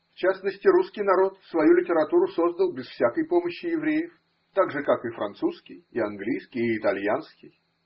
В частности, русский народ свою литературу создал без всякой помощи евреев, так же, как и французский, и английский, и итальянский.